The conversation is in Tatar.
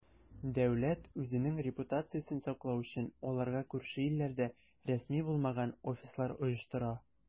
Дәүләт, үзенең репутациясен саклау өчен, аларга күрше илләрдә рәсми булмаган "офислар" оештыра.